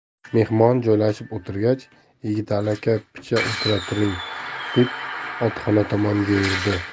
mehmon joylashib o'tirgach yigitali aka picha o'tira turing deb otxona tomonga yurdi